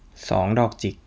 สองดอกจิก